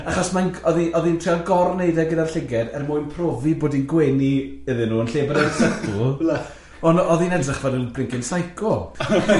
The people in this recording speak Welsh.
Achos mae'n- oedd hi oedd hi'n trio gorwneud e gyda'r llygaid er mwyn profi bod hi'n gwenu iddyn nhw yn lle byddai'n sylw, ond oedd hi'n edrych fel yn brincyn saico.